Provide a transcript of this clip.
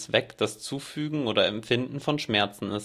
Zufügen oder Empfinden von Schmerzen